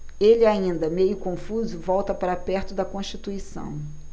ele ainda meio confuso volta para perto de constituição